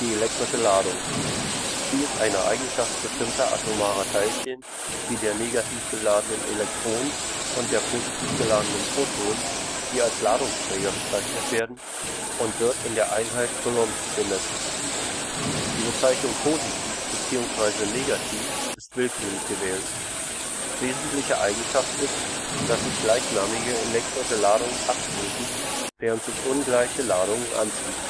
elektrische Ladung. Sie ist eine Eigenschaft bestimmter atomarer Teilchen wie der negativ geladenen Elektronen und der positiv geladenen Protonen, die als Ladungsträger bezeichnet werden, und wird in der Einheit Coulomb gemessen. Die Bezeichnung positiv bzw. negativ ist willkürlich gewählt. Wesentliche Eigenschaft ist, dass sich gleichnamige elektrische Ladungen abstoßen, während sich ungleiche Ladungen anziehen